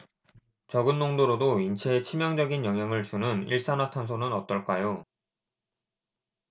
적은 농도로도 인체에 치명적인 영향을 주는 일산화탄소는 어떨까요